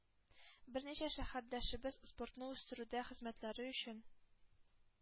Берничә шәһәрдәшебез спортны үстерүдәге хезмәтләре өчен